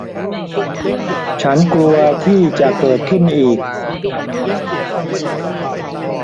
ฉันกลัวที่จะเกิดขึ้นอีก